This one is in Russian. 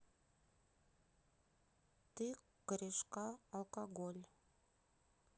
ты корешка алкоголь